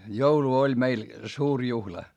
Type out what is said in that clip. joulu oli meillä suuri juhla